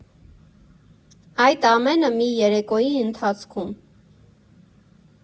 Այդ ամենը՝ մի երեկոյի ընթացքում։